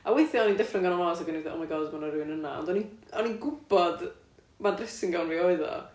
a weithia o'n i'n deffro yn ganol nos ac o'n i fatha "oh my god ma' 'na rywun yna" ond o'n i'n o'n i'n gwbod mai dressing gown fi oedd o